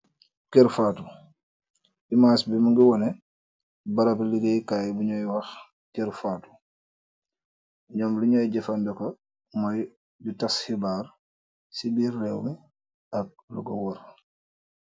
Keur fatou, emache bi mungy wohneh bahrabi legaye kaii bu njui wakh keur fatou, njom Lu njui jeufandehkor moiy di tass khibarr ci birr rewmi ak lukor wohrre.